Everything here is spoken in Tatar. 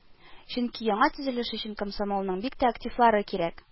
Чөнки яңа төзелеш өчен комсомолның бик тә активлары кирәк